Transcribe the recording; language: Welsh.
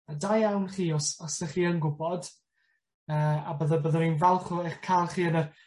A da iawn chi os os 'dych chi yn gwbod, yy a bydda- byddwn ni'n falch o eich ca'l chi yn y